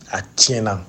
A tiɲɛn na o.